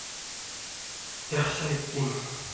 yaxshi aytding